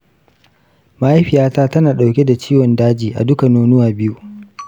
mahaifiyata ta na ɗauke da ciwon daji a duka nonuwa biyu